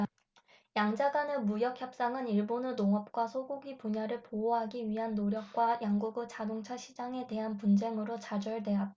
양자간의 무역협상은 일본의 농업과 소고기 분야를 보호하기 위한 노력과 양국의 자동차 시장에 대한 분쟁으로 좌절돼왔다